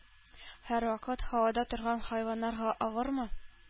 Һәрвакыт һавада торган хайваннарга авырмы?